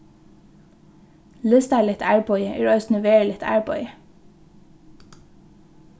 listarligt arbeiði er eisini veruligt arbeiði